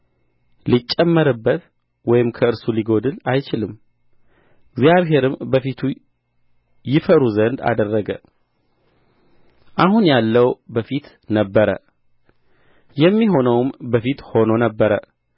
ሊጨመርበት ወይም ከእርሱ ሊጐድል አይቻልም እግዚአብሔርም በፊቱ ይፈሩ ዘንድ አደረገ አሁን ያለው በፊት ነበረ የሚሆነውም በፊት ሆኖ ነበር